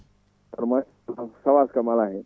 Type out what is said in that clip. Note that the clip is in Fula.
hono mayri kam * kaam ala hen